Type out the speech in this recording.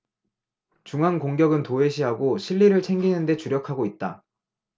중앙 공격은 도외시하고 실리를 챙기는 데 주력하고 있다